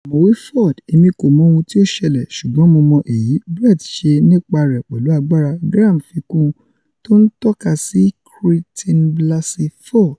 Ọ̀mọwé Ford, Èmi kò mọ ohun tí ó ṣẹlẹ̀, ṣûgbọn Mo mọ èyí: Brett ṣẹ́ nípa rẹ̀ pẹ̀lù agbára,'' Graham fi kún un, tó ńtọ́kasí Chritine Blassey Ford.